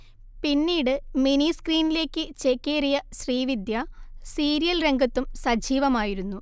പിന്നീട് മിനി സ്ക്രീനിലേക്ക് ചേക്കേറിയ ശ്രീവിദ്യ സീരിയൽ രംഗത്തും സജീവമായിരുന്നു